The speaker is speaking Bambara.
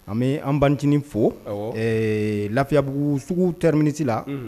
An bɛ an baninciini. fo ɛɛ Lafiyabugu sugu terminus la